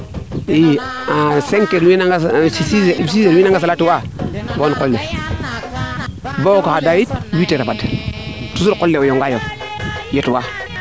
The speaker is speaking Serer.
a cinq six heure wiina salatu a maxey qol le bom xaada yit huit a fad toujours o qole o yonga yong